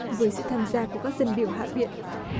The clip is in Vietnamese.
với sự tham gia của các dân biểu hạ viện